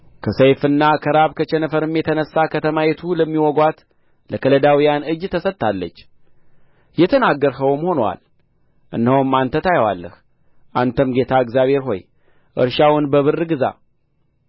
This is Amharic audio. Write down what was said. ከሰይፍና ከራብ ከቸነፈርም የተነሣ ከተማይቱ ለሚዋጉአት ለከለዳውያን እጅ ተሰጥታለች የተናገርኸውም ሆኖአል እነሆም አንተ ታየዋለህ አንተም ጌታ እግዚአብሔር ሆይ እርሻውን በብር ግዛ